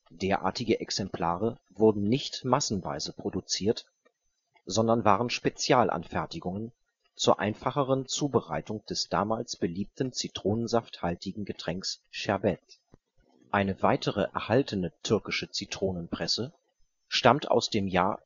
Derartige Exemplare wurden nicht massenweise produziert, sondern waren Spezialanfertigungen zur einfacheren Zubereitung des damals beliebten zitronensafthaltigen Getränks Sherbet. Eine weitere erhaltene türkische Zitronenpresse stammt aus dem Jahr